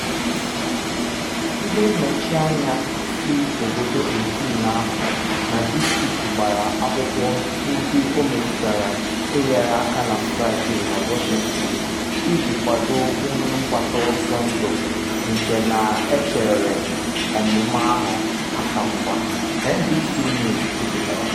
Ndị nnọchi anya si obodo 18 ahụ na district gbara akwụkwọ ndị ọ metụtara inyere aka na Fraịde na Washington iji kwado onye mgbata ọsọ ndụ nke na-echere amụma ahụ aka mgba, NBC News kwuputara.